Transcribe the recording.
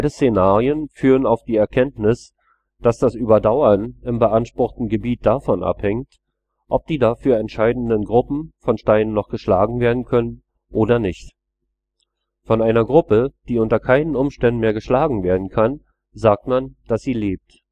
Szenarien führen auf die Erkenntnis, dass das Überdauern von beanspruchtem Gebiet davon abhängt, ob die dafür entscheidenden Gruppen von Steinen noch geschlagen werden können oder nicht. Von einer Gruppe, die unter keinen Umständen mehr geschlagen werden kann, sagt man, dass sie lebt